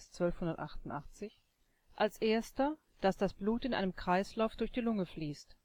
1288), als Erster, dass das Blut in einem Kreislauf durch die Lunge fließt